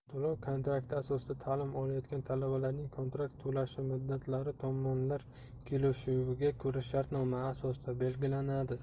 to'lov kontrakti asosida ta'lim olayotgan talabalarning kontrakt to'lash muddatlari tomonlar kelishuviga ko'ra shartnoma asosida belgilanadi